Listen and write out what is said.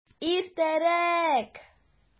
Иртәрәк!